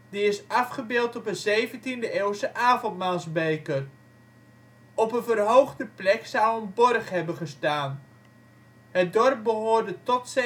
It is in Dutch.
is afgebeeld op een 17e-eeuwse avondmaalsbeker. Op een verhoogde plek zou een borg hebben gestaan. Het dorp behoorde tot 1795